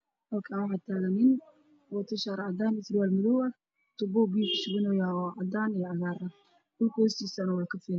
Halkaan waxaa taagan nin wato shaar cadaan ah iyo surwaal madow ah, tubo ayuu biyo kashubanayaa oo cadaan iyo cagaar ah, dhulka hoostiisa waa cagaar.